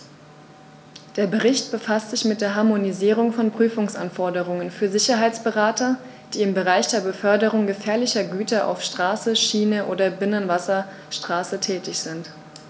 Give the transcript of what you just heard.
Der Bericht befasst sich mit der Harmonisierung von Prüfungsanforderungen für Sicherheitsberater, die im Bereich der Beförderung gefährlicher Güter auf Straße, Schiene oder Binnenwasserstraße tätig sind.